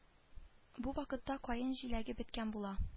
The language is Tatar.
Бу вакытта каен җиләге беткән була